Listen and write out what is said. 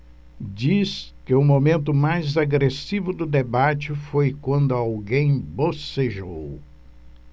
diz que o momento mais agressivo do debate foi quando alguém bocejou